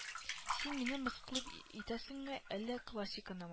Син мине мыскыл итәсеңме әллә классиканым